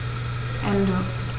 Ende.